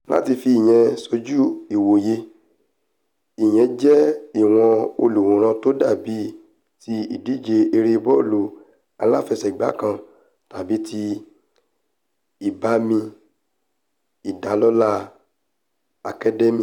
Láti fi ìyẹn sójú ìwòye, ìyẹn jẹ́ ìwọn olùwòran tó dàbí ti ìdíje eré bọ́ọ̀lù aláàfẹ̵sẹ̀gbá kan tàbí ti Ìgbàmì-ìdálólá Academy.